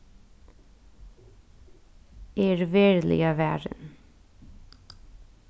eg eri veruliga varin